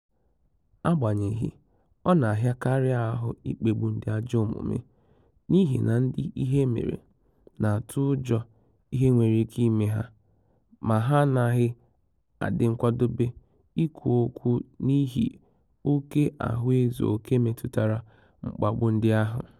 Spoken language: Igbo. Agbanyehị, ọ na-ahịakarị ahụ ikpegbu ndị ajọ omume n'ihi na ndị ihe mere na-atụ ụjọ ihe nwere ike ime ma ha anaghị adị nkwadebe ikwu okwu n'ihi oke ahụezuoke metụtara mkpagbu ndị ahụ.